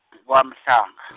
kwaMhlanga .